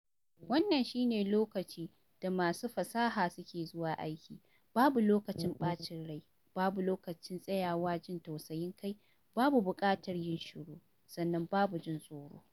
Wannan shi ne lokacin da masu fasaha suke zuwa aiki. Babu lokacin ɓacin rai, babu tsayawa jin tausayin kai, babu buƙatar yin shiru, sannan babu jin tsoro.